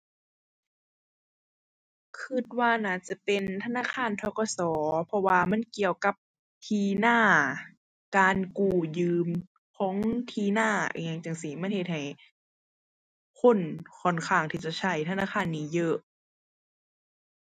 คิดว่าน่าจะเป็นธนาคาร ธ.ก.ส. เพราะว่ามันเกี่ยวกับที่นา การกู้ยืมของที่นาอิหยังจั่งซี้ มันเฮ็ดให้คนค่อนข้างที่จะใช้ธนาคารนี้เยอะ